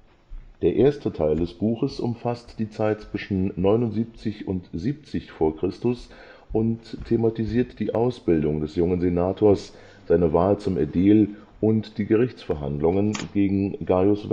Der erste Teil des Buches umfasst die Zeit zwischen 79 v. Chr. und 70 v. Chr. und thematisiert die Ausbildung des jungen Senators, seine Wahl zum Ädil und die Gerichtsverhandlungen gegen Gaius